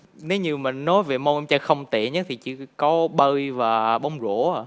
nếu như mà nói về môn chơi không tệ nhất thì chỉ có bơi và bóng rổ ạ